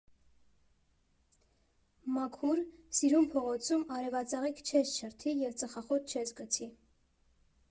Մաքուր, սիրուն փողոցում արևածաղիկ չես չրթի ու ծխախոտ չես գցի։